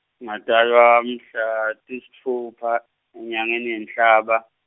Ngatalwa mhla tisitfupha enyangeni yeNhlaba.